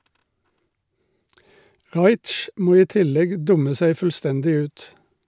Raich må i tillegg dumme seg fullstendig ut.